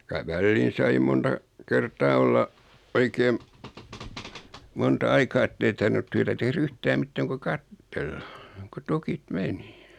kyllä väliin sai monta kertaa olla oikein monta aikaa että ei tarvinnut työtä tehdä yhtään mitään kuin katsella kun tukit meni